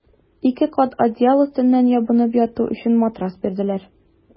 Ике кат одеял өстеннән ябынып яту өчен матрас бирделәр.